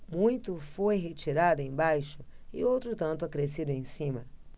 muito foi retirado embaixo e outro tanto acrescido em cima